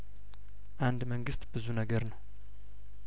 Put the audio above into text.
አንድ መንግስት ብዙ ነገር ነው